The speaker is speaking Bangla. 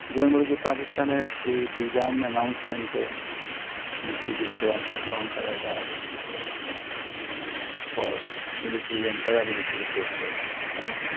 যেমন বলেছি পাকিস্তানের সেই ডিজার্ম অ্যানাউন্সমেন্টে মুক্তিযুদ্ধে অংশগ্রহণ করাটা for military and paramilitary forces